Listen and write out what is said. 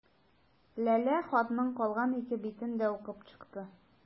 Ләлә хатның калган ике битен дә укып чыкты.